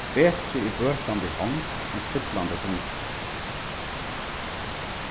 betri er bøtandi hond enn spillandi tunga